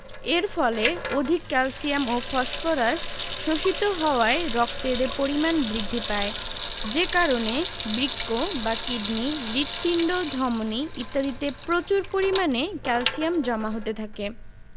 এর ফলে অধিক ক্যালসিয়াম ও ফসফরাস শোষিত হওয়ায় রক্তে এদের পরিমাণ বৃদ্ধি পায় যে কারণে বৃক্ক বা কিডনি হৃৎপিণ্ড ধমনি ইত্যাদিতে প্রচুর পরিমাণে ক্যালসিয়াম জমা হতে থাকে